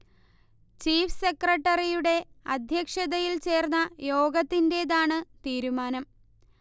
chief സെക്രട്ടറിയുടെ അധ്യക്ഷതയിൽ ചേർന്ന യോഗത്തിൻറേതാണ് തീരുമാനം